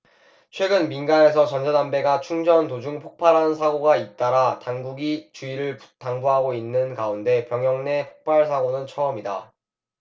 최근 민간에서 전자담배가 충전 도중 폭발하는 사고가 잇따라 당국이 주의를 당부하고 있는 가운데 병영 내 폭발 사고는 처음이다